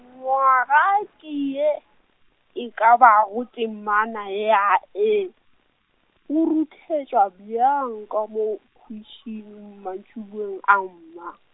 nywaga ke ye, e ka bago temana ya Hei, go rutetše bjang, ka mo, khwitšhing mantšiboeng a mma.